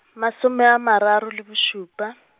masome a mararo le bošupa.